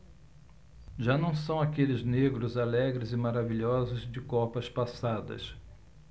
já não são aqueles negros alegres e maravilhosos de copas passadas